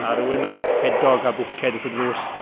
A rhywun mewn ffedog a bwced wrth y drws.